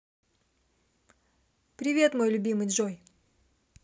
привет мой любимый джой